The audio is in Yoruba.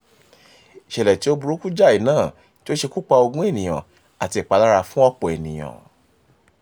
Ìṣẹ̀lẹ̀ tí ó burúkú jáì náà tí ó ṣekú pa ogún ènìyàn àti ìpalára fún ọ̀pọ̀ èèyàn.